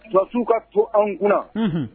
Jɔfin ka to an kunna h